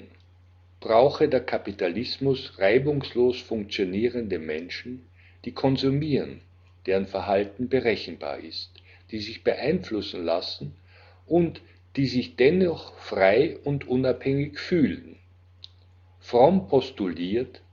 brauche der Kapitalismus reibungslos funktionierende Menschen, die konsumieren, deren Verhalten berechenbar ist, die sich beeinflussen lassen und die sich dennoch frei und unabhängig fühlen. Fromm postuliert